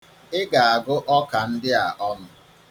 Ị ga-agụ ọka ndị a ọnụ.